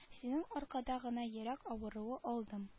Синең аркада гына йөрәк авыруы алдым